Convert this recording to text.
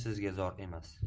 sizga zor emas